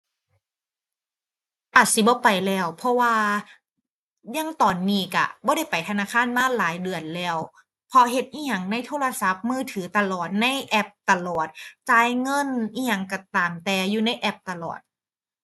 อาจสิบ่ไปแล้ว เพราะว่าอย่างตอนนี้ก็บ่ได้ไปธนาคารมาหลายเดือนแล้ว เพราะเฮ็ดอิหยังในโทรศัพท์มือถือตลอด ในแอปตลอด จ่ายเงินอิหยังก็ตามแต่อยู่ในแอปตลอด